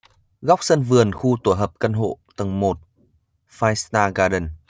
góc sân vườn khu tổ hợp căn hộ tầng một five star garden